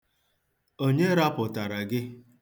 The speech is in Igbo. Onye rapụtara gị?